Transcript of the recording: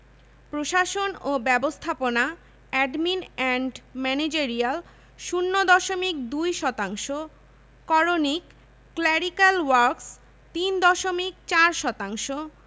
শক্তির উৎসঃ কাঠ খড়ি বা লাকড়ি প্রাকৃতিক গ্যাস পেট্রোলিয়াম কয়লা জলবিদ্যুৎ সৌরশক্তি বায়োগ্যাস ইত্যাদি